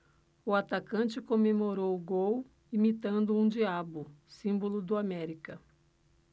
o atacante comemorou o gol imitando um diabo símbolo do américa